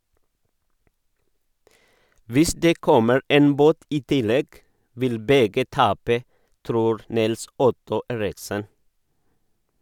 - Hvis det kommer en båt i tillegg, vil begge tape, tror Nils-Otto Eriksen.